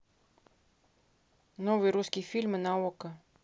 новые русские фильмы на окко